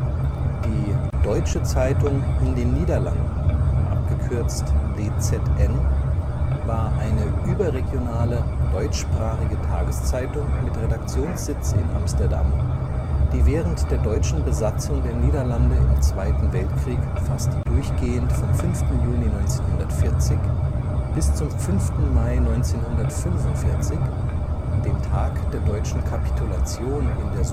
Die Deutsche Zeitung in den Niederlanden (DZN) war eine überregionale deutschsprachige Tageszeitung mit Redaktionssitz in Amsterdam, die während der deutschen Besatzung der Niederlande im Zweiten Weltkrieg fast durchgehend vom 5. Juni 1940 bis zum 5. Mai 1945, dem Tag der deutschen Kapitulation in der